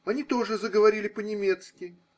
Они тоже заговорили по-немецки